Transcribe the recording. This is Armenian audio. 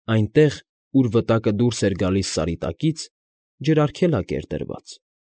Այնտեղ, ուր վտակը դուրս էր գալիս սարի տակից, ջրարգելակ էր դրված։